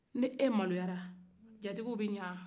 ni e maloyara jatigiw bɛ ɲɛ wa